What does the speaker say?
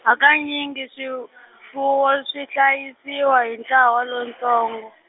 hakanyingi swifuwo swi hlayisiwa hi ntlawa lowuntsongo.